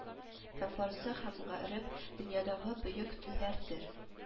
Һәм фарсы һәм гарәп дөньядагы бөек телләрдер